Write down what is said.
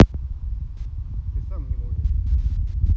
ты сам не можешь